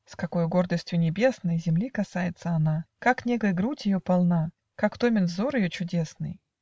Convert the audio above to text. С какою гордостью небесной Земли касается она! Как негой грудь ее полна! Как томен взор ее чудесный!.